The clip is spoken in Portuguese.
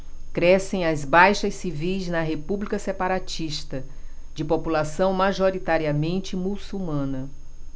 crescem as baixas civis na república separatista de população majoritariamente muçulmana